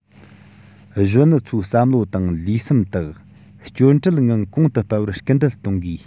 གཞོན ནུ ཚོའི བསམ བློ དང ལུས སེམས དག སྐྱོན བྲལ ངང གོང དུ འཕེལ བར སྐུལ འདེད གཏོང དགོས